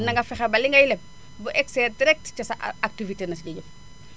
na nga fexe ba li ngay leb bu egsee direct ci sa activité na siy dem